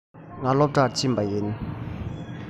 ང སློབ གྲྭར ཕྱིན པ ཡིན